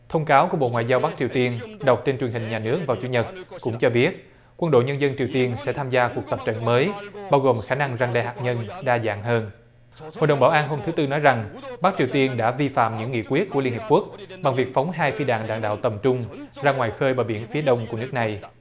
thông cáo của bộ ngoại giao bắc triều tiên đọc tuyên truyền hình nhà nước vào chủ nhật cũng cho biết quân đội nhân dân triều tiên sẽ tham gia cuộc tập trận mới bao gồm khả năng răn đe hạt nhân đa dạng hơn hội đồng bảo an hôm thứ tư nói rằng bắc triều tiên đã vi phạm những nghị quyết của liên hiệp quốc bằng việc phóng hai phi đạn đạn đạo tầm trung ra ngoài khơi bờ biển phía đông của nước này